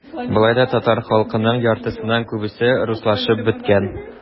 Болай да татар халкының яртысыннан күбесе - руслашып беткән.